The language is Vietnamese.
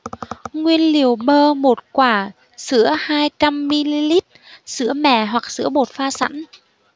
nguyên liệu bơ một quả sữa hai trăm ml sữa mẹ hoặc sữa bột pha sẵn